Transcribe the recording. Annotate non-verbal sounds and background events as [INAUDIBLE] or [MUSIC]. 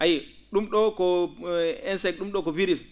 a yiyi ?um ?o ko [HESITATION] insecte ?um ?o ko virus